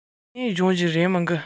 དམར པོ བཞིན ཨང ཀིས